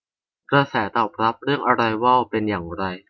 กระแสตอบรับเรื่องอะไรวอลเป็นอย่างไร